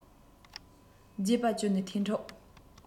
བརྗེད པ གྱུར ནས ཐན ཕྲུག